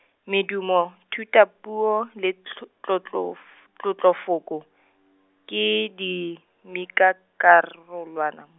medumo, thutapuo le tl- tlotlof- tlotlofoko, ke dimikakarolwana.